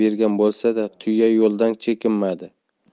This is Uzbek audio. bergan bo'lsa da tuya yo'ldan chekinmadi